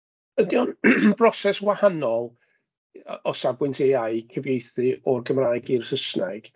Ydy o'n broses wahanol o o safbwynt AI cyfieithu o'r Gymraeg i'r Saesneg?